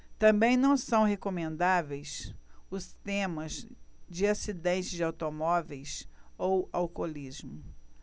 também não são recomendáveis os temas de acidentes de automóveis ou alcoolismo